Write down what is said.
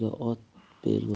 yag'ir otga bel bo'l